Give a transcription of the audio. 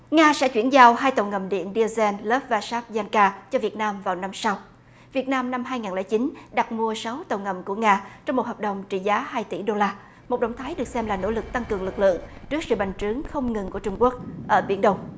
nga sẽ chuyển giao hai tàu ngầm điện đi a den lớp va sáp dan ca cho việt nam vào năm sau việt nam năm hai nghìn lẻ chín đặt mua sáu tàu ngầm của nga trong một hợp đồng trị giá hai tỷ đô la một động thái được xem là nỗ lực tăng cường lực lượng trước sự bành trướng không ngừng của trung quốc ở biển đông